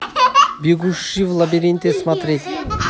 бегущий в лабиринте смотреть